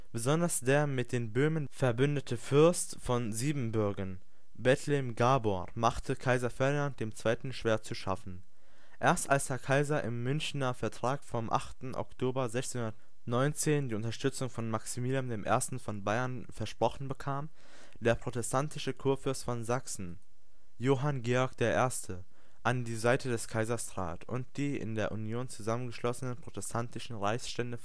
Besonders der mit den Böhmen verbündete Fürst von Siebenbürgen, Bethlen Gábor, machte Kaiser Ferdinand II. schwer zu schaffen. Erst als der Kaiser im Münchner Vertrag vom 8. Oktober 1619 die Unterstützung von Maximilian I. von Bayern versprochen bekam, der protestantische Kurfürst von Sachsen, Johann Georg I., an die Seite des Kaisers trat und die in der Union zusammengeschlossenen protestantischen Reichsstände